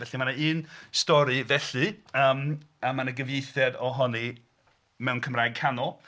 Felly mae 'na un stori felly yym a mae 'na gyfieithiad ohoni mewn Cymraeg canol.